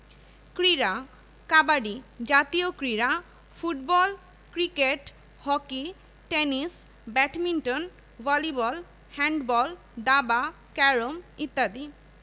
ঢাকার রমনা এলাকার প্রায় ৬০০ একর জমি নিয়ে এ বিশ্ববিদ্যালয় প্রতিষ্ঠা করা হয় এর প্রাথমিক অবকাঠামোর বড় একটি অংশ গড়ে উঠে